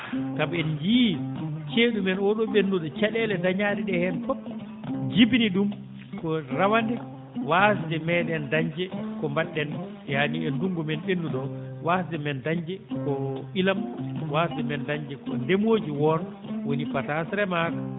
kam en njiyii ceeɗu men oo ɗoo ɓennuɗo caɗeele dañaaɗe ɗee heen fof jibini ɗum ko rawande waasde meeɗen dañde ko mbaɗɗen yaani e ndunngu men ɓennuɗo oo waasde men dañde koo ilam waasde men dañde ko ndemooji woon woni patas remaaka